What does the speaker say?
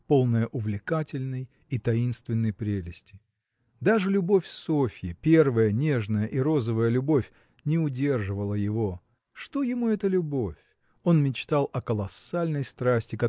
полное увлекательной и таинственной прелести. Даже любовь Софьи первая нежная и розовая любовь не удерживала его. Что ему эта любовь? Он мечтал о колоссальной страсти